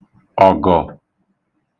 ọ̀gọ̀